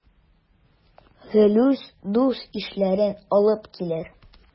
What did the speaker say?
Гелүс дус-ишләрен алып килер.